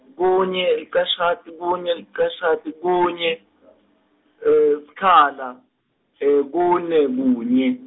kunye, licashata, kunye, licashata, kunye sikhala, kune, kunye.